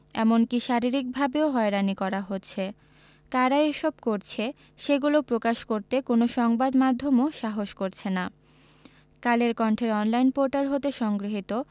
এমনকি শারীরিকভাবেও হয়রানি করা হচ্ছে কারা এসব করছে সেগুলো প্রকাশ করতে কোনো সংবাদ মাধ্যমও সাহস করছে না কালের কন্ঠের অনলাইন পোর্টাল হতে সংগৃহীত